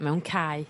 mewn cae.